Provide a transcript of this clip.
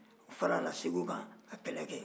u farala segu kan ka kɛlɛ kɛ